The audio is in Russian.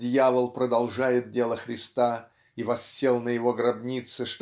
дьявол продолжает дело Христа и воссел на Его гробнице